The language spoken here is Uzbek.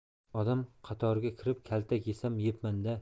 odam qatoriga kirib kaltak yesam yebman da